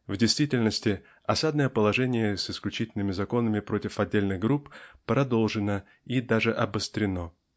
В действительности осадное положение с исключительными законами против отдельных групп продолжено и даже обострено" .